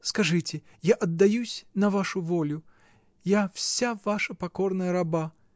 Скажите, я отдаюсь на вашу волю — я вся вашя покорная раба.